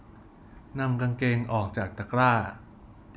นำกางเกงออกจากตะกร้า